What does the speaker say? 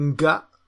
nga